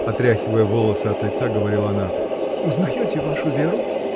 — отряхивая волосы от лица, говорила она, — узнаете вашу Веру?